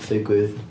Ffugwydd.